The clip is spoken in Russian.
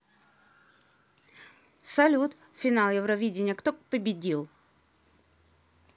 салют финал евровидения кто победил